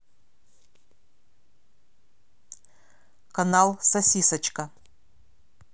канал сосисочка